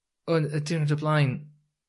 'wn y diwrnod o flaen